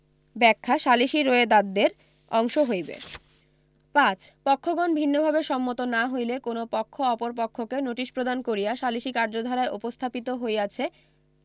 ব্যাখ্যা সালিসী রোয়েদাদদের অংশ হইবে ৫ পক্ষগণ ভিন্নভাবে সম্মত না হইলে কোন পক্ষ অপর পক্ষকে নোটিশ প্রদান করিয়া সালিসী কার্যধারায় উপস্থাপিত হইয়াছে